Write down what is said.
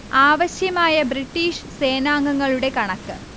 ആവശ്യമായ ബ്രിട്ടീഷ് സേനാംഗങ്ങളുടെ കണക്ക്